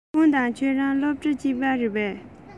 ཁོང དང ཁྱོད རང སློབ གྲྭ གཅིག རེད པས